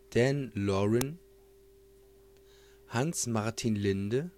Dan Laurin Hans-Martin Linde